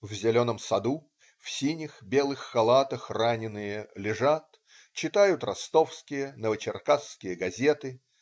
В зеленом саду в синих, белых халатах раненые лежат, читают ростовские, новочеркасские газеты.